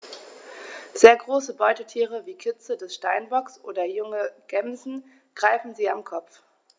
Sehr große Beutetiere wie Kitze des Steinbocks oder junge Gämsen greifen sie am Kopf.